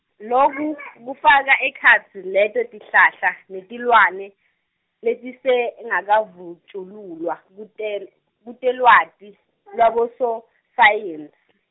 loku, kufaka ekhatsi leto tihlahla, netilwane, letisengakavunjululwa, kutel- kutelwati, lwabososayensi.